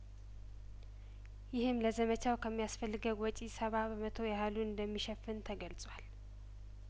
ይህም ለዘመቻው ከሚያስፈልገው ወጪ ሰባ በመቶ ያህሉን እንደሚሸፍን ተገልጿል